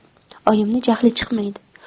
oyimni jahli chiqmaydi